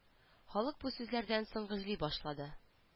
Халык бу сүзләрдән соң гөжли башлады